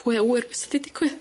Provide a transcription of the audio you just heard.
Pwy a wyr be sa di ddigwydd?